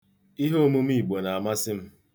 Iheomume Igbo na-amasị m.